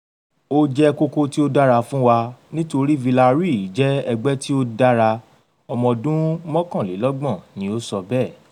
"Ó jẹ́ kókó tí ó dára fún wa nítorí Villarreal jẹ́ ẹgbẹ́ tí ó dára," ọmọdún 31 ni ó sọ bẹ́ẹ̀.